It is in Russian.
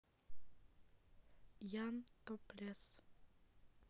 ян топлесс